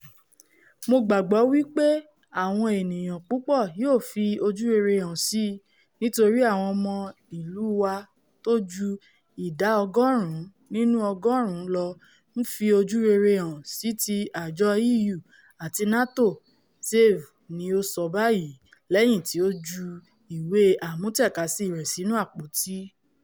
Mo gbàgbọ́ wí pé àwọn ènìyàn pupọ̀ yóò fi ojú rere hàn síi nítorí àwọn ọmọ ìlú wa tóju ìdá ọgọ́rin nínú ọgọ́ọ̀rún lọ ńfi ojú rere hàn sí ti àjọ EU àti NATO,'' Zaev ni o sọ báyií lẹ́yìn tí o ju ìwé amútẹ̀kàsí rẹ̀ sínu àpótí.